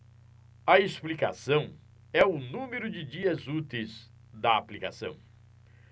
a explicação é o número de dias úteis da aplicação